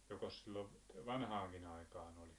jokos silloin vanhaankin aikaan oli